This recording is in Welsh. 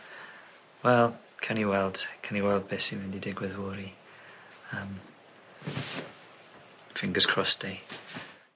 wel cawn ni weld cawn ni weld beth sy mynd i digwydd fory yym. Fingers crossed ey?